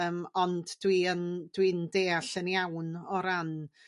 Yym ond dwi yn dwi'n deall yn iawn o ran